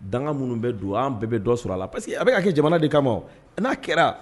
Dan minnu bɛ don an bɛɛ bɛ dɔ sɔrɔ a la parce que a bɛ' kɛ jamana de kama n'a kɛra